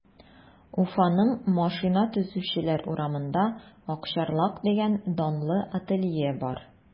Уфаның Машина төзүчеләр урамында “Акчарлак” дигән данлы ателье бар.